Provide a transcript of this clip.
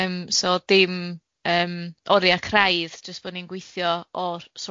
Yym so dim yym oria craidd, jys bo' ni'n gweithio o rh-